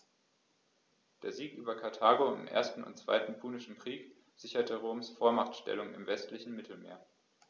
Der Sieg über Karthago im 1. und 2. Punischen Krieg sicherte Roms Vormachtstellung im westlichen Mittelmeer.